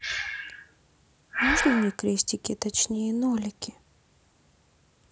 можно мне крестики точнее нолики